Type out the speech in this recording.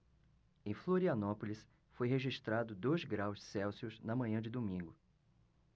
em florianópolis foi registrado dois graus celsius na manhã de domingo